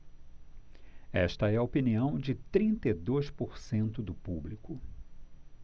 esta é a opinião de trinta e dois por cento do público